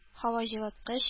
Һаваҗылыткыч